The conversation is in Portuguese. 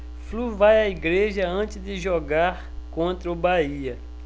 flu vai à igreja antes de jogar contra o bahia